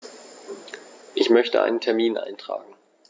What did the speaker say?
Ich möchte einen Termin eintragen.